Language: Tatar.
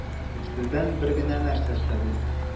Сездән бер генә нәрсә сорыйм: